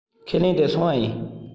ཁས ལེན དེ སོང བ ཡིན